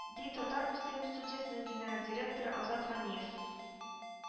Татармультфильм студиясенең генераль директоры Азат Ганиев